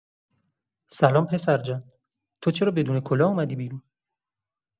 سلام پسرجان، تو چرا بدون کلاه اومدی بیرون؟